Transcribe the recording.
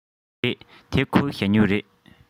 རེད འདི ཁོའི ཞ སྨྱུག རེད